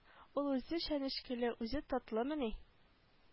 Ул үзе чәнечкеле үзе татлымыни